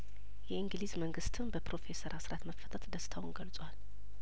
የእንግሊዝ መንግስትም በፕሮፌሰር አስራት መፈታት ደስታውን ገልጿል